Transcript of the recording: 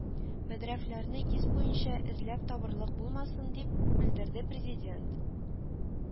Бәдрәфләрне ис буенча эзләп табарлык булмасын, дип белдерде Президент